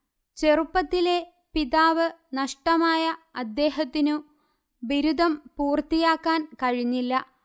ചെറുപ്പത്തിലേ പിതാവ് നഷ്ടമായ അദ്ദേഹത്തിനു ബിരുദം പൂർത്തിയാക്കാൻ കഴിഞ്ഞില്ല